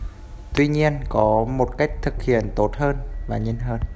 tuy nhiên có một cách thực hiện tốt hơn và nhanh hơn